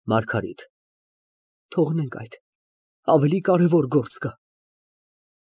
ՄԱՐԳԱՐԻՏ ֊ Թողենք այդ։ Ավելի կարևոր գործ կա։